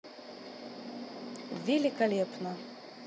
великолепно